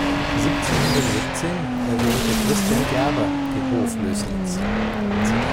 1717 erwähnte Christian Gerber die Hoflößnitz: „ Die